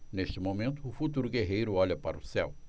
neste momento o futuro guerreiro olha para o céu